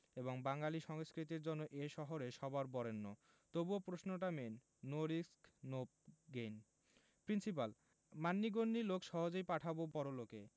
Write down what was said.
এবং বাঙালী সংস্কৃতির জন্য এ শহরে সবার বরেণ্য তবুও প্রশ্নটা main no risk no gain principle মান্যিগন্যি লোক সহজেই পাঠাবো পরলোকে